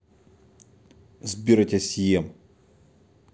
сбер я тебя съем